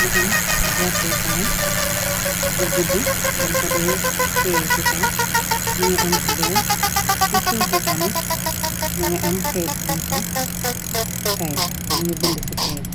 ma am jàppekaay bu gudd bën ko de tee ci kaw ma ngi am ki beer ci suuf bi tamit ma ngi am kayt bumpax tay ñu ngi bind ci kayt